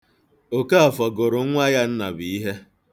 Okaafọ gụrụ nwa ya Nnabụihe.